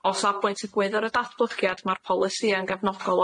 O safbwynt y gwyddo'r datblygiad ma'r polisi yn gefnogol